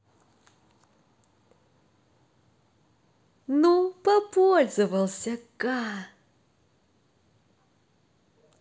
ну попользовался ка